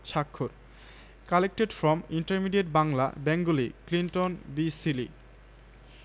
সময়মত ওদের গোসল করিয়ে যেন খেতে দেওয়া হয় গোসল হয়ে যাবার পর খেতে বসে দুই বোন হেসে কুটিকুটি হচ্ছে দেখে আয়া জিজ্ঞেস করলেন আপনেরা অত হাসতাসেন ক্যান